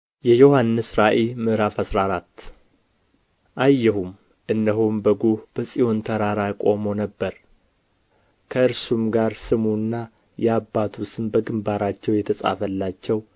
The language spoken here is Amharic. የዮሐንስ ራእይ ምዕራፍ አስራ አራት አየሁም እነሆም በጉ በጽዮን ተራራ ቆሞ ነበር ከእርሱም ጋር ስሙና የአባቱ ስም በግምባራቸው የተጻፈላቸው